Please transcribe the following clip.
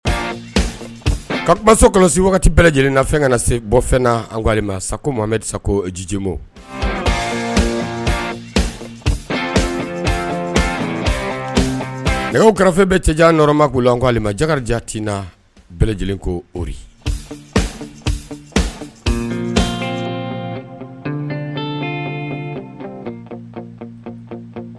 So kɔlɔsi waati bɛɛ lajɛlen na fɛn kana se bɔ fɛn sa sa ko jijibo nɛgɛ karafe bɛ cɛ nɔrɔma' la k' a ma jajatina bɛɛ lajɛlen ko ori